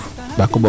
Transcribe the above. o Mbako Mbof